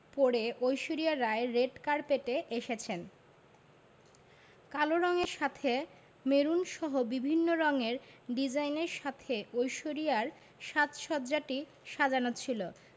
করে ঐশ্বরিয়া রাই রেড কার্পেটে এসেছেন কালো রঙের সাথে মেরুনসহ বিভিন্ন রঙের ডিজাইনের সাথে ঐশ্বরিয়ার সাজ সজ্জাটি সাজানো ছিল